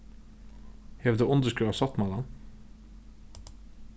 hevur tú undirskrivað sáttmálan